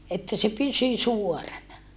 että se pysyi suorana